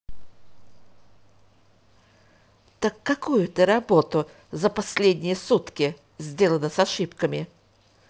так какую ты работу за последние сутки сделаны с ошибками